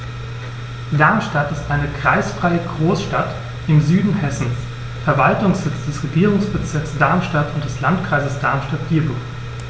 Darmstadt ist eine kreisfreie Großstadt im Süden Hessens, Verwaltungssitz des Regierungsbezirks Darmstadt und des Landkreises Darmstadt-Dieburg.